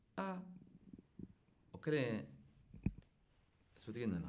aa o kɛlen sotigi nana